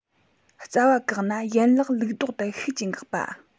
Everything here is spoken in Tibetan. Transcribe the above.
རྩ བ བཀག ན ཡན ལག ལུགས ལྡོག ཏུ ཤུགས ཀྱིས འགག པ